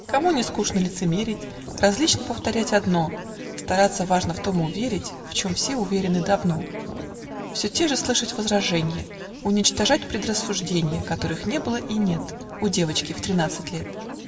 Кому не скучно лицемерить, Различно повторять одно, Стараться важно в том уверить, В чем все уверены давно, Все те же слышать возраженья, Уничтожать предрассужденья, Которых не было и нет У девочки в тринадцать лет!